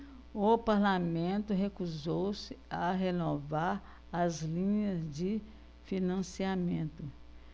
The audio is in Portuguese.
o parlamento recusou-se a renovar as linhas de financiamento